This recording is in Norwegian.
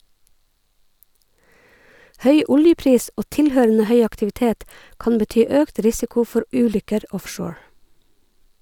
Høy oljepris og tilhørende høy aktivitet kan bety økt risiko for ulykker offshore.